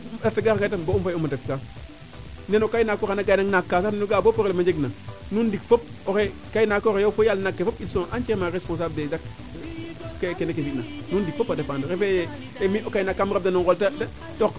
a tega nge o ten ba'um fa yaa'um a ref kaa neno kay naak fo oxa na gaya nang naak kaa sax ga'a bo probleme a njeg na nuun ndik fop o kay naakoxe yo fo oxe na gaya naake yo nuun ndik fop vous etes entirement responsable des acte s keke fina nuun ɗik fopa dependre refee ye mi o kayt naak kam rab da nogun o ngool te